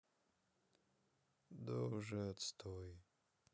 да уже отстой